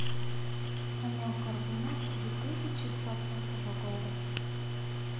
конек горбунок две тысячи двадцатого года